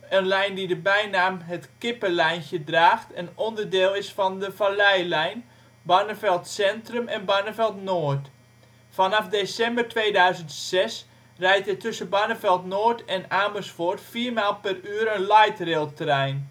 een lijn die de bijnaam het kippenlijntje draagt en onderdeel is van de Valleilijn: Barneveld Centrum en Barneveld Noord. Vanaf december 2006 rijdt er tussen Barneveld Noord en Amersfoort 4 maal per uur een light rail trein